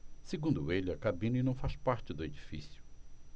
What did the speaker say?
segundo ele a cabine não faz parte do edifício